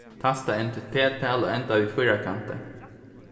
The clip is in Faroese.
tasta inn títt p-tal og enda við fýrakanti